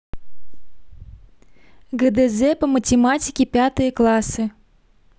гдз по математике пятые классы